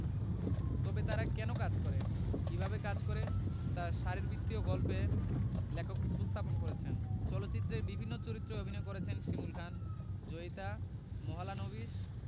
তবে তারা কেন কাজ করে কিভাবে কাজ করে তা শারীরবৃত্তীয় গল্পে লেখক উপস্থাপন করেছেন চলচ্চিত্রের বিভিন্ন চরিত্রে অভিনয় করেছেন শিমুল খান জয়িতা মাহলানোবিশ